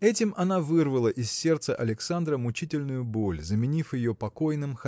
Этим она вырвала из сердца Александра мучительную боль заменив ее покойным